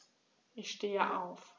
Ich stehe auf.